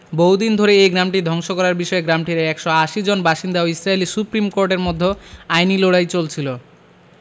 বহুদিন ধরে এই গ্রামটি ধ্বংস করার বিষয়ে গ্রামটির ১৮০ জন বাসিন্দা ও ইসরাইলি সুপ্রিম কোর্টের মধ্য আইনি লড়াই চলছিল